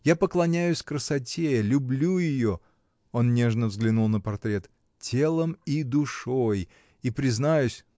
я поклоняюсь красоте, люблю ее, — он нежно взглянул на портрет, — телом и душой и, признаюсь.